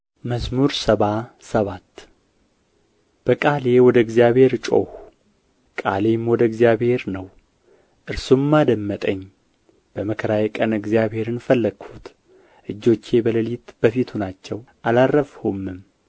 መዝሙር ሰባ ሰባት በቃሌ ወደ እግዚአብሔር ጮኽሁ ቃሌም ወደ እግዚአብሔር ነው እርሱም አደመጠኝ በመከራዬ ቀን እግዚአብሔርን ፈለግሁት እጆቼ በሌሊት በፊቱ ናቸው አላረፍሁምም